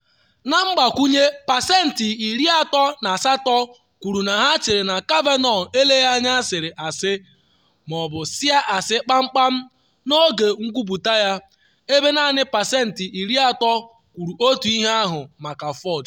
Na mgbakwunye, pesentị 38 kwuru na ha chere na Kavanaugh eleghị anya sịrị asị ma ọ bụ sịa asị kpamkpam n’oge nkwuputa ya, ebe naanị pesentị 30 kwuru otu ihe ahụ maka Ford.